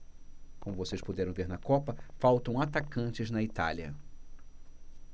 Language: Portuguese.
como vocês puderam ver na copa faltam atacantes na itália